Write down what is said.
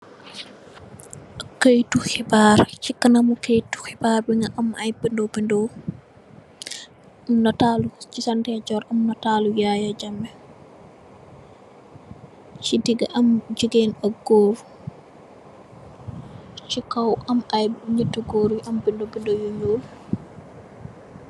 Kayetu heebar chi kanamu kayetu heebar bi ga am ay bindu-bindu. Nataalu ci sa ndejor am nataalu Yaya Jammeh ci diga am jigeen ak goor. Ci kaw am ay nëtti gòor yu am ay bindu-bindu yu ñuul.